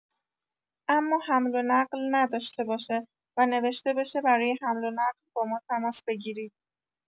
اما حمل و نقل نداشته باشه و نوشته بشه برای حمل و نقل با ما تماس بگیرید.